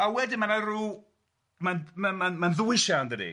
A wedyn ma' na rw ma'n ma'n ma'n ma'n ma'n ddwys iawn dydi?